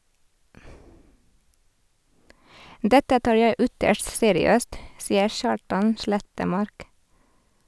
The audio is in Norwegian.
Dette tar jeg ytterst seriøst, sier Kjartan Slettemark.